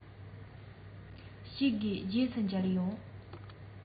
བཞུགས དགོས རྗེས སུ མཇལ ཡོང